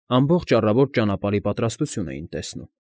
Ամբողջ առավոտ ճանապարհի պատրաստություն էին տեսնում։